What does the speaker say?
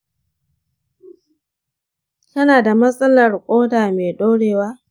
kana da matsalar koda mai ɗorewa?